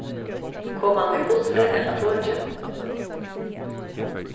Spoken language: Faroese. kom hann við bussi ella toki